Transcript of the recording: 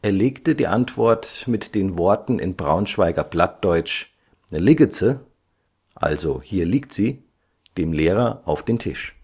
legte die Antwort mit den Worten in Braunschweiger Plattdeutsch „ Ligget se “(svw: „ Hier liegt sie “) dem Lehrer auf den Tisch